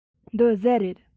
འདི ཟྭ རེད